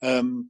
yym